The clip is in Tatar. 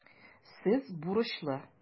Сез бурычлы.